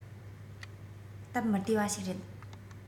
སྟབས མི བདེ བ ཞིག རེད